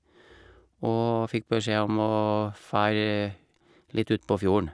Og fikk beskjed om å fær litt utpå fjorden.